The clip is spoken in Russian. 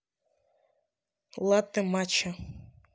латте мача